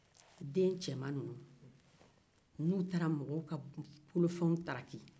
den cɛman ninnuw n'u taara mɔgɔ bolofɛn ntaraki